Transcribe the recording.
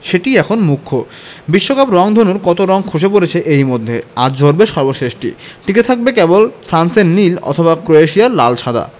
সেটিই এখন মুখ্য বিশ্বকাপ রংধনুর কত রং খসে পড়েছে এরই মধ্যে আজ ঝরবে সর্বশেষটি টিকে থাকবে কেবল ফ্রান্সের নীল অথবা ক্রোয়েশিয়ার লাল সাদা